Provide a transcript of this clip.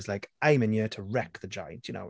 It's like, "I'm in here to wreck the joint." you know?